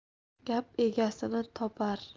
gap egasini topar